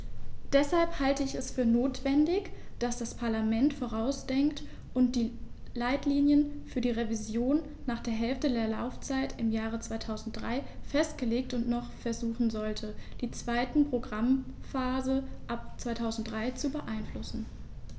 Deshalb halte ich es für notwendig, dass das Parlament vorausdenkt und die Leitlinien für die Revision nach der Hälfte der Laufzeit im Jahr 2003 festlegt und noch versuchen sollte, die zweite Programmphase ab 2003 zu beeinflussen.